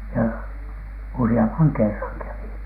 ja useamman kerran kävi